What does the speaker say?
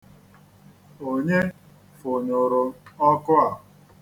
Onye fụnyụrụ ọkụ a?